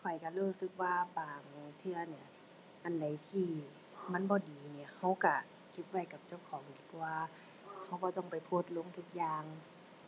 ข้อยก็รู้สึกว่าบางเทื่อเนี่ย อันใดที่มันบ่ดีเนี่ย ก็ก็เก็บไว้กับเจ้าของดีกว่า ก็บ่ต้องไปโพสต์ลงทุกอย่าง